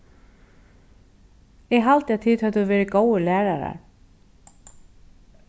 eg haldi at tit høvdu verið góðir lærarar